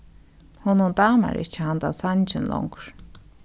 honum dámar ikki handan sangin longur